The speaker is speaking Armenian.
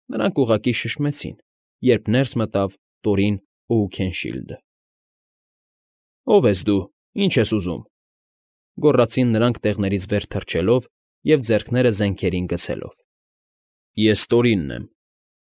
Նրանք ուղղակի շշմեցին, երբ ներս մտավ Տորին Օուքենշիլդը։ ֊ Ո՞վ ես դու, ի՞նչ ես ուզում,֊ գոռացին նրանք՝ տեղներից վեր թռնելով ու ձեռքերը զենքերին գցելով։ ֊ Ես Տորինն են,